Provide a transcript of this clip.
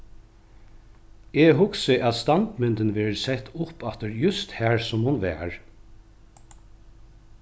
eg hugsi at standmyndin verður sett upp aftur júst har sum hon var